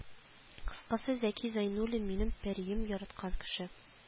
Кыскасы зәки зәйнуллин минем пәрием яраткан кеше